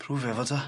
Prwfio fo ta.